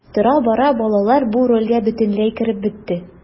Тора-бара балалар бу рольгә бөтенләй кереп бетте.